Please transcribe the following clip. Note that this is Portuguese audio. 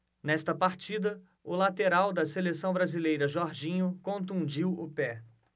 nesta partida o lateral da seleção brasileira jorginho contundiu o pé